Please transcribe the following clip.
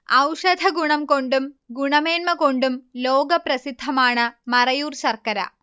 ഔഷധഗുണം കൊണ്ടും ഗുണമേൻമക്കൊണ്ടും ലോകപ്രസിദ്ധമാണ് മറയൂർ ശർക്കര